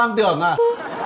quang tưởng ạ